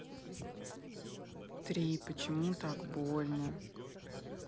три почему так больно